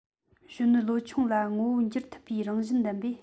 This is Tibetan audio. གཞོན ནུ ལོ ཆུང ལ ངོ བོ འགྱུར ཐུབ པའི རང བཞིན ལྡན པས